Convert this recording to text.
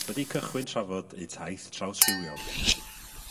...wedi cychwyn trafod eu taith trawsrhywiol.